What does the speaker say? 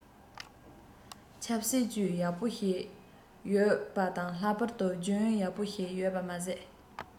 ཆབ སྲིད ཅུད ཡག པོ ཞིག ཡོད ཞིག ཡོད པ དང ལྷག པར དུ རྒྱུན ཨུད ཡག པོ ཞིག ཡོད པ མ ཟད